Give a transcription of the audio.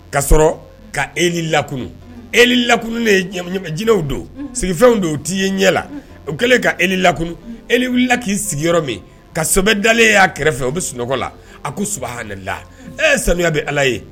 Ka sɔrɔ ka Eli lakunun, Eli lakununen, jinɛw don, sigifɛnw don o t'i ye ɲɛ la. u kɛlen ka Eli lakunun, Eli wilila k'i sigiyɔrɔ min ka sɔbɛ dalen y'a kɛrɛfɛ o bɛ sunɔgɔ la, a ko Soubhanalah ee sanuya bɛ Ala ye.